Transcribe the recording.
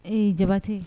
Ee jabate